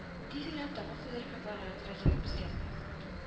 Тиз генә тамак туйдырып йокларга ятарга кирәк безгә